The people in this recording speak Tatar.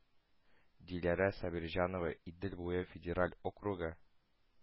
Диләрә Сабирҗанова Идел буе федераль округы